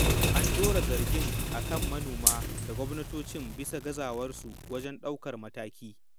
An ɗora zargin a kan manona da gwamnatoci bisa gazawarsu wajen ɗaukar mataki.